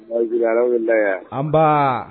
Ayi jigi ala wulila la yan anba